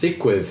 Digwydd?